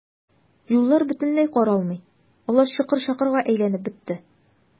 Юллар бөтенләй каралмый, алар чокыр-чакырга әйләнеп бетте.